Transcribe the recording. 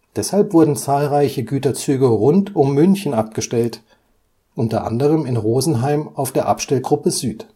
Deshalb wurden zahlreiche Güterzüge rund um München abgestellt, unter anderem in Rosenheim auf der Abstellgruppe Süd. Die